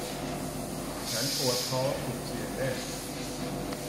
ฉันปวดท้องจุกเสียดแน่น